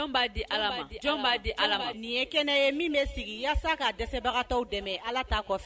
Di'a di ala nin ye kɛnɛ ye min bɛ sigi yaasa k ka dɛsɛbaga dɛmɛ ala t' kɔfɛ